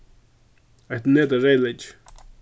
eitt net av reyðleyki